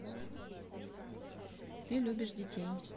ты любишь детей